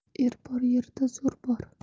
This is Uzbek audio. er bor yerda zo'r bor